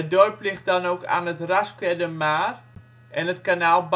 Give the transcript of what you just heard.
dorp ligt dan ook aan het Rasquerdermaar en het Kanaal